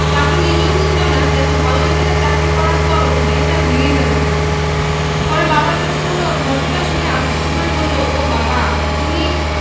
পাত্র নিজেও বুঝল না এত ভালো বেতনে চাকরি করার পরও বিয়েটা ভেঙে গেল কেন পরে বাবার কাছে পুরো ঘটনা শুনে আফসোস করে বলল ও বাবা তুমি